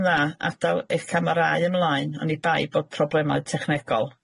yn dda adal eich camerâu ymlaen oni bai bod problemau technegol.